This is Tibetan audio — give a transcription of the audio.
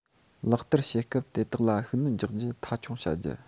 ལག བསྟར བྱེད སྐབས དེ དག ལ ཤུགས སྣོན རྒྱག རྒྱུ མཐའ འཁྱོངས བྱ རྒྱུ